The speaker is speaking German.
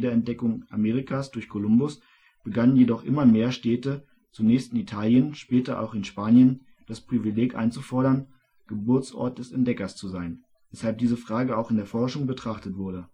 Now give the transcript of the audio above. Entdeckung Amerikas durch Kolumbus begannen jedoch immer mehr Städte, zunächst in Italien, später auch in Spanien, das Privileg einzufordern, Geburtsort des Entdeckers zu sein, weshalb diese Frage auch in der Forschung betrachtet wurde